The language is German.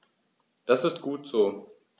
Das ist gut so.